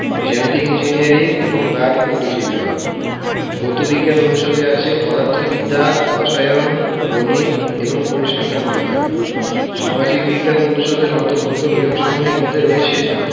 genetic engineering এবং biotechnology বিভাগ ভৌত বিজ্ঞান অনুষদে আছে পদার্থবিদ্যা রসায়ন গণিত এবং পরিসংখ্যান বিভাগ সামাজিক বিজ্ঞান অনুষদের অন্তর্ভুক্ত বিভাগসমূহের মধ্যে রয়েছে